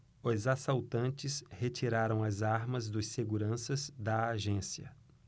os assaltantes retiraram as armas dos seguranças da agência